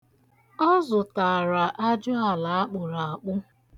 Ọ zụtara ajụala akpụrụ akpụ.